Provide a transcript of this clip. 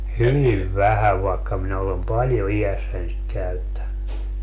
hyvin vähän vaikka minä olen paljon iässäni sitä käyttänyt